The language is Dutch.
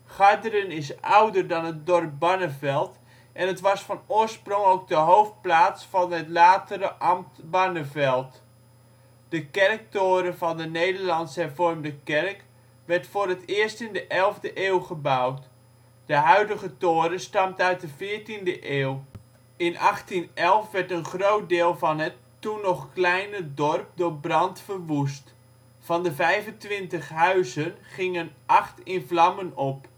Garderen is ouder dan het dorp Barneveld en het was van oorsprong ook de hoofdplaats van het latere ambt Barneveld. De kerktoren van de Nederlands-hervormde kerk werd voor het eerst in de elfde eeuw gebouwd. De huidige toren stamt uit de veertiende eeuw. In 1811 werd een groot deel van het, toen nog kleine, dorp door brand verwoest. Van de 25 huizen gingen acht in vlammen op